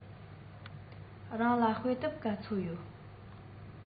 རང ལ དཔེ དེབ ག ཚོད ཡོད